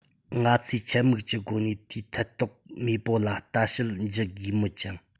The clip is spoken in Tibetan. ང ཚོས ཆེད དམིགས ཀྱི སྒོ ནས དེའི ཐད གཏོགས མེས པོ ལ ལྟ དཔྱད བགྱི དགོས མོད ཀྱང